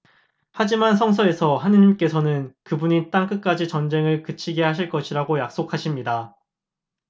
하지만 성서에서 하느님께서는 그분이 땅 끝까지 전쟁을 그치게 하실 것이라고 약속하십니다